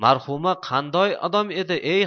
marhuma qanday odam edi